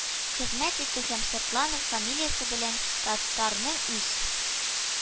Хезмәт итә һәм сыртланова фамилиясе белән татарның үз